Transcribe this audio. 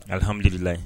Alihamidulilayi